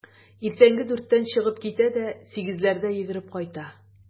Иртәнге дүрттән чыгып китә дә сигезләрдә йөгереп кайта.